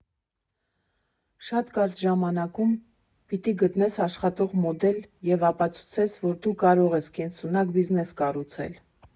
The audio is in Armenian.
Շատ կարճ ժամանակում պիտի գտնես աշխատող մոդել և ապացուցես, որ դու կարող ես կենսունակ բիզնես կառուցել։